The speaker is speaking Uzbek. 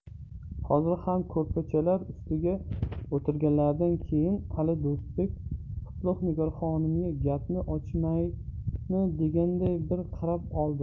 hozir ham ko'rpachalar ustiga o'tirganlaridan keyin ali do'stbek qutlug' nigor xonimga gapni ochaymi deganday bir qarab oldi